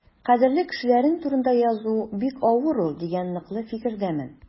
Кадерле кешеләрең турында язу бик авыр ул дигән ныклы фикердәмен.